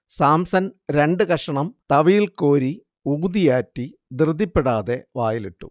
സാംസൺ രണ്ടു കഷണം തവിയിൽ കോരി ഊതിയാറ്റി ധൃതിപ്പെടാതെ വായിലിട്ടു